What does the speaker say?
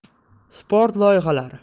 sport loyihalari